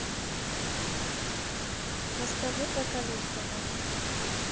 расскажи про калинково